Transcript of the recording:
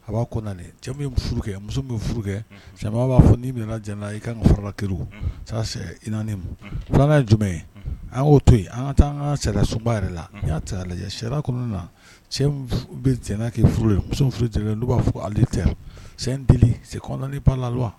A b'a cɛ min furu muso min furu b'a fɔ n' minɛ i kala ki i filanan jumɛn an k'o to yen an ka taa an ka sariya sunba yɛrɛ la'a lajɛ sɛ kɔnɔna na kɛ furu ye muso furu b'a fɔ ale tɛ se kɔnɔna ba la